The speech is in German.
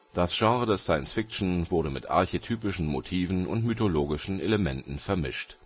Das Genre des Science-Fiction wurde mit archetypischen Motiven und mythologischen Elementen vermischt